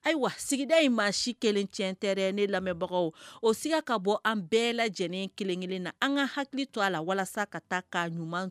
Ayiwa sigida in maa si kelen tiɲɛɛn tɛ ne lamɛnbagaw oiga ka bɔ an bɛɛ lajɛlennen kelenkelen na an ka hakili to a la walasa ka taa k kaa ɲuman